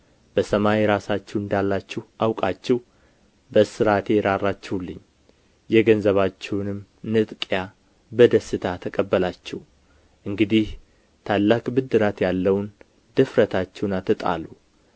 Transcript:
በሰማይ ራሳችሁ እንዳላችሁ አውቃችሁ በእስራቴ ራራችሁልኝ የገንዘባችሁንም ንጥቂያ በደስታ ተቀበላችሁ እንግዲህ ታላቅ ብድራት ያለውን ድፍረታችሁን አትጣሉ